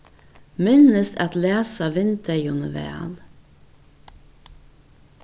minnist at læsa vindeyguni væl